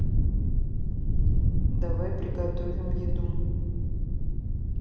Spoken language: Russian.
давай приготовим еду